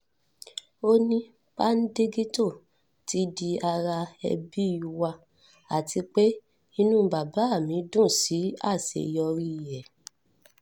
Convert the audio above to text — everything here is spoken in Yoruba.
Ó ní Paddington “ti di ara ẹbí wa,” àtipé inú bàbá mi dùn sí àṣeyọrí ẹ̀.